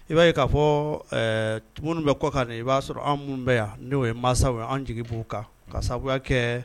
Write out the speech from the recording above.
I b'a k'a fɔ tu bɛ kɔkan na i b'a sɔrɔ an minnu bɛ yan n'o ye masa an jigi b'u kan ka sababuya kɛ